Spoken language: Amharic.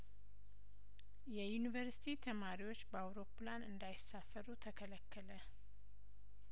የዩኒቨርስቲ ተማሪዎች በአውሮፕላን እንዳይሳፈሩ ተከለከለ